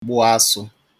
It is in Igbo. gbụ asụ̄